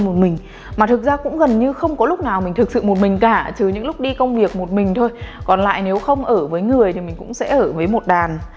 một mình mà thực ra cũng gần như không có lúc nào mình thực sự một mình cả trừ những lúc đi công việc một mình thôi còn lại nếu không ở với người thì mình sẽ ở với một đàn